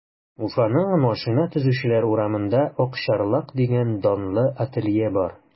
Уфаның Машина төзүчеләр урамында “Акчарлак” дигән данлы ателье бар.